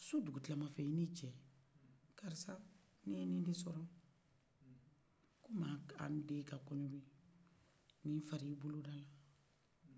su dugu kila fɛ i n'i cɛ karissa ne ye ni dɛ sɔrɔ kɔm an den ka kɔɲɔn beyi ni fara i bolo dala